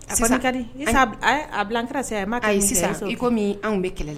A bila kira a ma sisan iko bɛ kɛlɛ la